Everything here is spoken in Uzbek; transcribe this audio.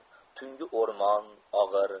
tungi o'rmon og'ir